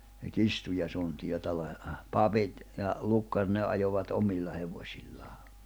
se kirstu ja suntio papit ja lukkarit ne ajoivat omilla hevosillaan